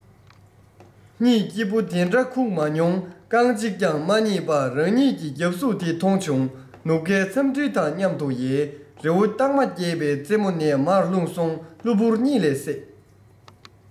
གཉིད སྐྱིད པོ འདི འདྲ ཁུག མ མྱོང རྐང གཅིག ཀྱང མ རྙེད པ རང ཉིད ཀྱི རྒྱབ གཟུགས དེ མཐོང བྱུང ནུབ ཁའི མཚམས སྤྲིན དང མཉམ དུ ཡལ རི བོ སྟག མ རྒྱས པའི རྩེ མོ ནས མར ལྷུང སོང གླུ བུར གཉིད ལས སད